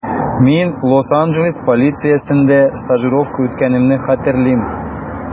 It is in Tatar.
Мин Лос-Анджелес полициясендә стажировка үткәнемне хәтерлим.